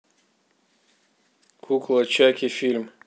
кукла чаки фильм